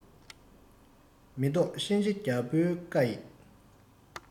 མི བཟློག གཤིན རྗེ རྒྱལ པོའི བཀའ ཡིག